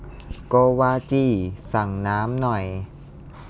โกวาจีสั่งน้ำหน่อย